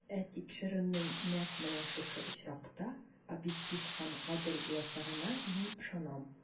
Ә тикшерүнең нәкъ менә шушы очракта объектив һәм гадел булачагына мин ышанам.